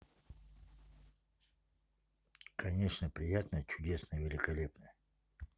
конечно приятно чудесно великолепно